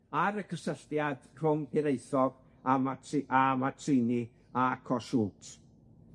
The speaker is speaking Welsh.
ar y cysylltiad rhwng Hiraethog a Mazzi- a Mazzini a Kossuth,